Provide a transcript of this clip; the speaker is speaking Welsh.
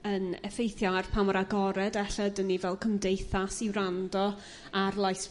yn effeithio ar pa mor agored e'lle 'dyn ni fel cymdeithas i wrando ar lais